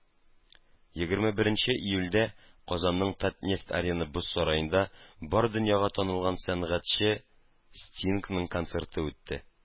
Егерме беренче июльдә Казанның "Татнефть-Арена" боз сараенда бар дөньяга танылган сәнгатьче Стингның концерты үтте.